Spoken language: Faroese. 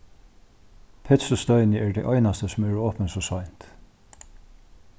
pitsustøðini eru tey einastu sum eru opin so seint